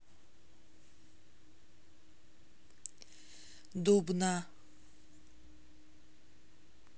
дубна